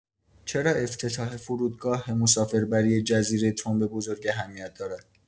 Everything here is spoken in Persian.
چرا افتتاح فرودگاه مسافربری جزیره تنب بزرگ اهمیت دارد؟